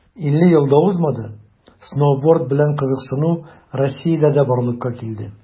50 ел да узмады, сноуборд белән кызыксыну россиядә дә барлыкка килде.